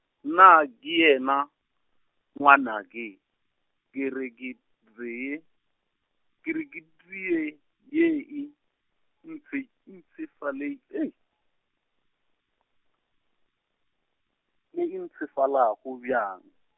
nna ke yena, ngwanake, ke re ke tee, ke re teye ye e, ntse- ntsefale- Hei , ye ntsefela go bjang.